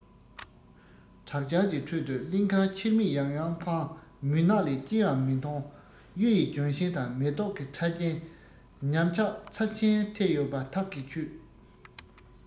དྲག ཆར གྱི ཁྲོད དུ གླིང གར ཕྱིར མིག ཡང ཡང འཕངས མུན ནག ལས ཅི ཡང མི མཐོང གཡུ ཡི ལྗོན ཤིང དང མེ ཏོག གི ཕྲ རྒྱན ཉམས ཆག ཚབས ཆེན ཐེབས ཡོད པ ཐག གིས ཆོད